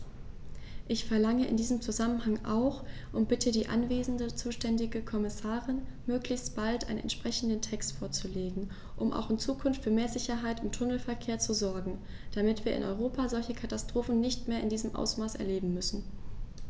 Ich verlange in diesem Zusammenhang auch und bitte die anwesende zuständige Kommissarin, möglichst bald einen entsprechenden Text vorzulegen, um auch in Zukunft für mehr Sicherheit im Tunnelverkehr zu sorgen, damit wir in Europa solche Katastrophen nicht mehr in diesem Ausmaß erleben müssen!